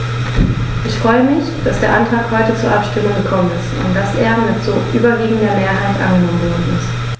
Ich freue mich, dass der Antrag heute zur Abstimmung gekommen ist und dass er mit so überwiegender Mehrheit angenommen worden ist.